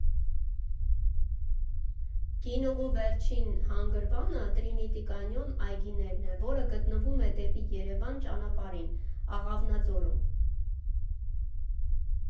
Գինուղու վերջին հանգրվանը «Տրինիտի կանյոն այգիներն» է, որը գտնվում է դեպի Երևան ճանապարհին՝ Աղավնաձորում։